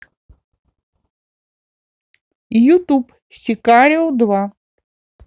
ютуб сикарио два